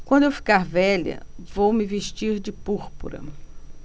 quando eu ficar velha vou me vestir de púrpura